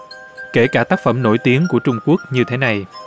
kể cả tác phẩm nổi tiếng của trung quốc như thế này